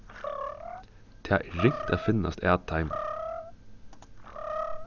tað er ringt at finnast at teimum